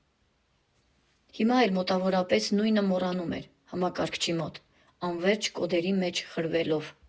Հիմա էլ մոտավորապես նույնը մոռանում էր համակարգչի մոտ, անվերջ կոդերի մեջ խրվելով։